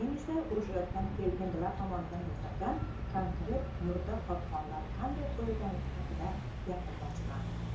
men esa urushayotgan kelgindilar tomonidan yasalgan konkret murda qopqonlar qanday qo'yilganligi haqida gapirmoqchiman